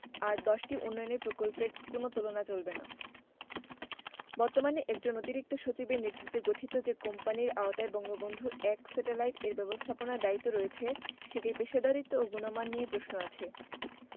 আর দশটি উন্নয়ন প্রকল্পের কোনো তুলনা চলবে না বর্তমানে একজন অতিরিক্ত সচিবের নেতৃত্বে গঠিত যে কোম্পানির আওতায় বঙ্গবন্ধু ১ স্যাটেলাইট এর ব্যবস্থাপনার দায়িত্ব রয়েছে সেটির পেশাদারিত্ব ও গুণমান নিয়ে প্রশ্ন আছে